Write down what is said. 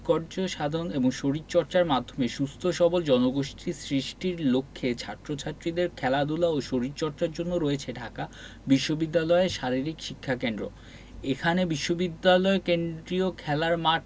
উৎকর্ষ সাধন এবং শরীরচর্চার মাধ্যমে সুস্থ সবল জনগোষ্ঠী সৃষ্টির লক্ষ্যে ছাত্র ছাত্রীদের খেলাধুলা ও শরীরচর্চার জন্য রয়েছে ঢাকা বিশ্ববিদ্যালয়ে শারীরিক শিক্ষাকেন্দ্র এখানে বিশ্ববিদ্যালয় কেন্দ্রীয় খেলার মাঠ